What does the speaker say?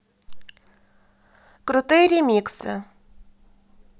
крутые ремиксы